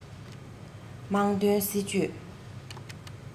དམག དོན སྲིད ཇུས